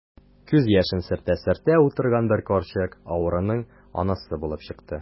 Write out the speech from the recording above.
Күз яшен сөртә-сөртә утырган бер карчык авыруның анасы булып чыкты.